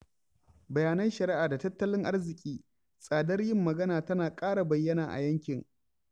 Bayanan shari'a da tattalin arziƙi, tsadar yin magana tana ƙara bayyana a yankin.